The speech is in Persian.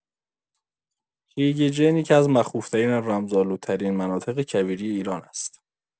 «ریگ جن» یکی‌از مخوف‌ترین و رمزآلودترین مناطق کویری ایران است.